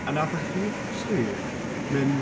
A wnaethoch chi'ch tri mynd...